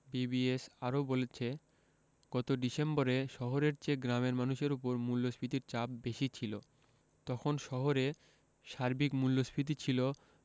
BBS আরও বলছে গত ডিসেম্বরে শহরের চেয়ে গ্রামের মানুষের ওপর মূল্যস্ফীতির চাপ বেশি ছিল তখন শহরে সার্বিক মূল্যস্ফীতি ছিল